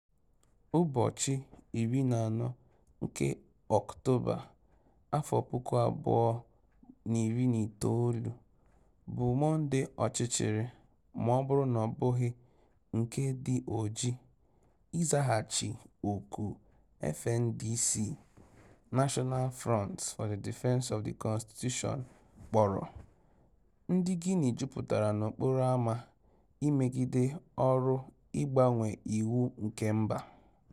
Ụbọchị 14 nke Ọktoba, 2019, bụ Mọnde ọchịchịrị, ma ọ bụrụ na ọ bụghị nke dị oji, ịzaghachi òkù FNDC [National Front for the Defense of the constitution] kpọrọ, ndị Guinea jupụtara n'okporo ama imegide ọrụ ịgbanwe iwu nke mba.